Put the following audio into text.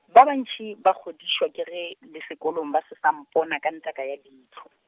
ba bantši ba kgodišwa ke ge le sekolong ba se sa mpona ka nthaka ya leihlo.